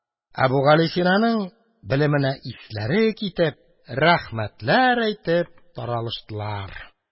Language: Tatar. Әбүгалисинаның белеменә исләре китеп, рәхмәтләр әйтеп таралыштылар.